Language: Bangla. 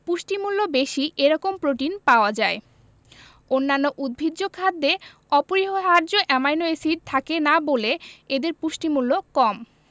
পুষ্টিমূল্য বেশি এরকম প্রোটিন পাওয়া যায় অন্যান্য উদ্ভিজ্জ খাদ্যে অপরিহার্য অ্যামাইনো এসিড থাকে না বলে এদের পুষ্টিমূল্য কম